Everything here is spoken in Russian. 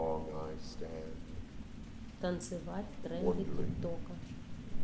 танцевать тренды тик тока